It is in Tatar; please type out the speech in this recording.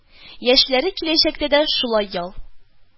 Яшьләре киләчәктә дә шулай ял